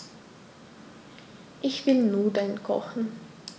Ich will Nudeln kochen.